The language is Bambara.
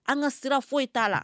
An ka sira foyi t'a la